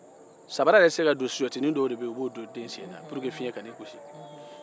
sabara yɛrɛ tɛ se ka don sosɛtinin dɔ bɛ yen u b'o don den se na walasa fiɲɛ kana i gosi